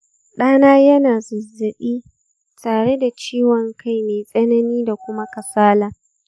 ɗana yana da zazzabi tare da ciwon kai mai tsanani da kuma kasala